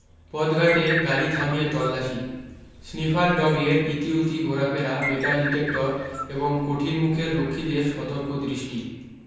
পথঘাটে গাড়ী থামিয়ে তল্লাশি স্নিফার ডগের ইতিউতি ঘোরাফেরা মেটাল ডিটেক্টর এবং কঠিন মুখের রক্ষীদের সতর্ক দৃষ্টি